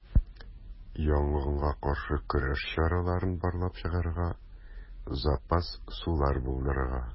Янгынга каршы көрәш чараларын барлап чыгарга, запас сулар булдырырга.